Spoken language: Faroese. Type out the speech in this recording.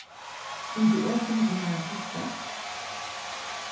kundi eg fingið meira kaffi